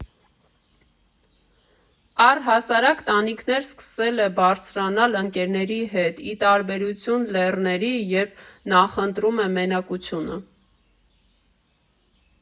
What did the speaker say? Առհասարակ տանիքներ սկսել է բարձրանալ ընկերների հետ՝ ի տարբերություն լեռների, երբ նախընտրում է մենակությունը։